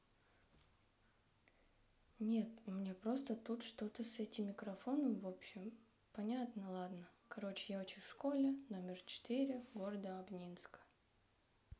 нет у меня просто тут что то с этим микрофоном вообщем понятно ладно короче я учусь в школе номер четыре города обнинска